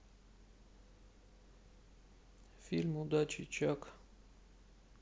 фильм удачи чак